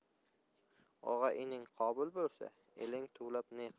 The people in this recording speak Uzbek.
og'a ining qobil bo'lsa eling tuvlab ne qilar